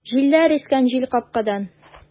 Җилләр искән җилкапкадан!